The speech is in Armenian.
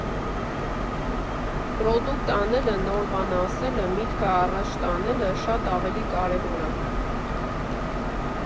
Պրոդուկտ անելը, նոր բան ասելը, միտքը առաջ տանելը շատ ավելի կարևոր ա։